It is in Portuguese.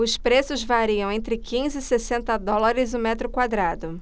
os preços variam entre quinze e sessenta dólares o metro quadrado